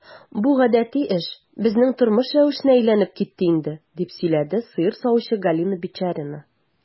Бу гадәти эш, безнең тормыш рәвешенә әйләнеп китте инде, - дип сөйләде сыер савучы Галина Бичарина.